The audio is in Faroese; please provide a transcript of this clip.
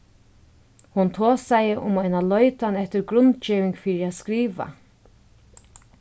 hon tosaði um eina leitan eftir grundgeving fyri at skriva